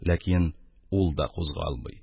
Ләкин ул да кузгалмый.